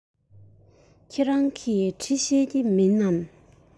ཁྱེད རང གིས འབྲི ཤེས ཀྱི མེད པས